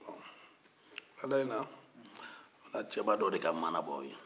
bɔn wulada in na n bɛna cɛba dɔ deka maana bɔ aw ye